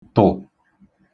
tụ̀